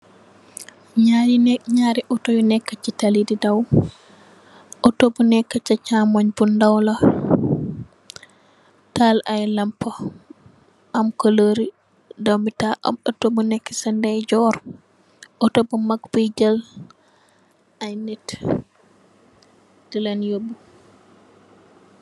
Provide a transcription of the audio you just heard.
Ñaari nit ñaari Otto yu nèkka ci tali di daw, otto bu nekka ci caaymoy bu ndaw la, tahal ay lampa am kulor ru doomi tahal ak otto bu nekka ci ndayjoor otto bu mak buy jél ay nit di lèèn yobu.